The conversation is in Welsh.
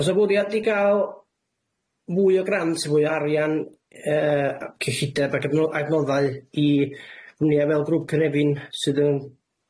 o's 'na fwriad i ga'l fwy o grant fwy o arian yy cyllideb ac adnoddau i gwmnïa fel Grŵp Cynefin sydd yn